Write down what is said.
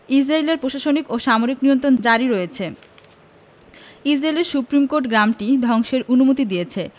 ইসরাইলের প্রশাসনিক ও সামরিক নিয়ন্ত্রণ জারি রয়েছে ইসরাইলের সুপ্রিম কোর্ট গ্রামটি ধ্বংসের অনুমতি দিয়েছে